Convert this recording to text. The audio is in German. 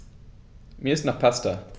Mir ist nach Pasta.